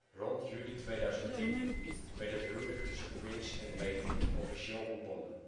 Rond juni 2000 werd het huwelijk tussen Prince en Mayte officieel ontbonden